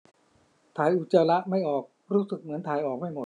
ถ่ายอุจจาระไม่ออกรู้สึกเหมือนถ่ายออกไม่หมด